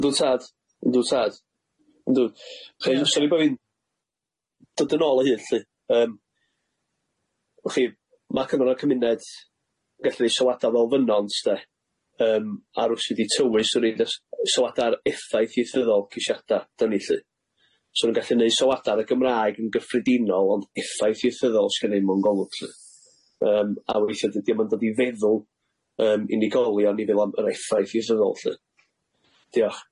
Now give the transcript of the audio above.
Yndw tad, yndw tad, yndw so sori bo' fi'n dod yn ôl o hyn lly yym wch chi ma' cymra' cymuned gallu neud sylwadau fel fynont de yym a rw sy di tywys i roi sylwadau'r effaith ieithyddol gesiada dynnu lly so nw'n gallu neud sylwadau ar y Gymraeg yn gyffredinol ond effaith ieithyddol s'gennai mewn golwg lly yym a weithia' dydi o'm yn dod i feddwl yym unigolion i fe'wl am yr effaith ieithyddol lly diolch.